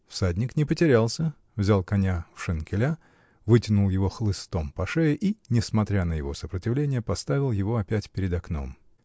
Всадник не потерялся, взял коня в шенкеля, вытянул его хлыстом по шее и, несмотря на его сопротивление, поставил его опять перед окном.